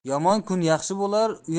yomon kun yaxshi